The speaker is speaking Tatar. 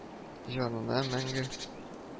Җанына мәңге